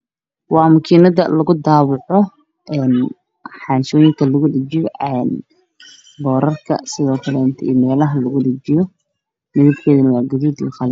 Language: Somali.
Waa makiinada lugu daabaco xaanshooyinka oo lugu dhajiyo boorarka iyo meelaha, midabkeedu waa gaduud iyo qalin.